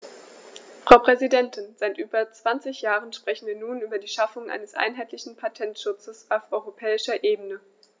Frau Präsidentin, seit über 20 Jahren sprechen wir nun über die Schaffung eines einheitlichen Patentschutzes auf europäischer Ebene.